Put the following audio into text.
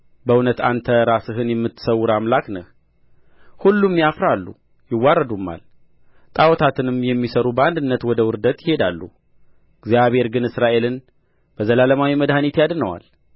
በእውነት አንተ ራስህን የምትሰውር አምላክ ነህ ሁሉም ያፍራሉ ይዋረዱማል ጣዖታትንም የሚሠሩ በአንድነት ወደ ውርደት ይሄዳሉ እግዚአብሔር ግን እስራኤልን በዘላለማዊ መድኃኒት ያድነዋል